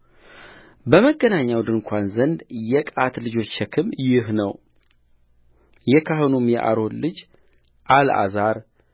በመገናኛው ድንኳን ዘንድ የቀዓት ልጆች ሸክም ይህ ነውየካህኑም የአሮን ልጅ አልዓዛር